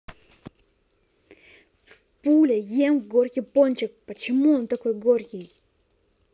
пуля ем горький пончик почему он такой горький